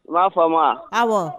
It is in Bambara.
I m'a faamu wa? Awɔ.